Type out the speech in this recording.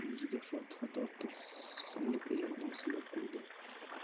yuziga fotiha tortib silliq iyagini silab qo'ydi